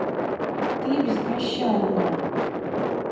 ты беспощадна